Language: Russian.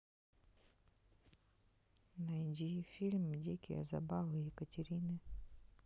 найди фильм дикие забавы екатерины